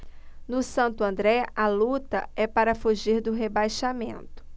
no santo andré a luta é para fugir do rebaixamento